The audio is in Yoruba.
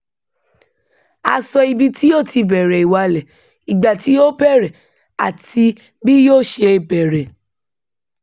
A sọ ibi tí yóò ti bẹ̀rẹ̀ ìwalẹ̀, ìgbà tí yó bẹ̀rẹ̀ àti bí yóò ṣe bẹ̀rẹ̀ .